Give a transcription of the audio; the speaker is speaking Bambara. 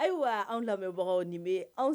Ayiwa wa anw lamɛnbagaw ni bɛ anw